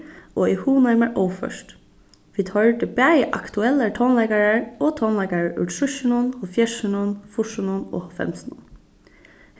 og eg hugnaði mær óført vit hoyrdu bæði aktuellar tónleikarar og tónleikarar úr trýssunum hálvfjerðsunum fýrsunum og hálvfemsunum